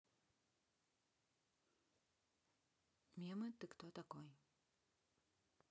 мемы ты кто такой